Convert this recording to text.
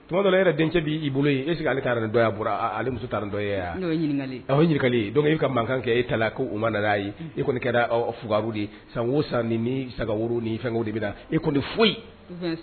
Tuma dɔ e yɛrɛ dencɛ'i bolo e ale ka nitɔya bɔra muso taaratɔ ɲininka y'i ka mankan kɛ e ta u ma' ye e kɔni kɛra fugbu de ye san san ni saga ni fɛn o de bɛ na e kɔni foyi